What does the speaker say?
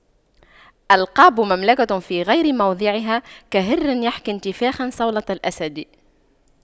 ألقاب مملكة في غير موضعها كالهر يحكي انتفاخا صولة الأسد